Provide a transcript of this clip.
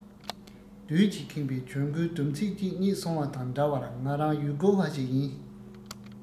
རྡུལ གྱིས ཁེངས པའི གྱོན གོས སྡོམ ཚིག ཅིག རྙེད སོང བ དང འདྲ བ ང རང ཡུལ སྐོར བ ཞིག ཡིན